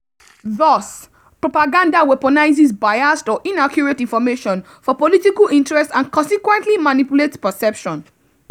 Thus, propaganda weaponizes biased or inaccurate information for political interests and consequently manipulates perception.